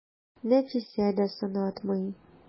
Нәфисә дә сынатмый.